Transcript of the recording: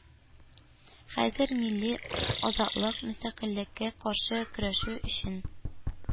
Хәзер милли азатлык, мөстәкыйльлеккә каршы көрәшү өчен